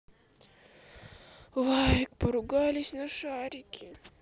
лайк поругались на шарики